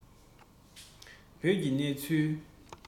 བོད ཀྱི གནས ཚུལ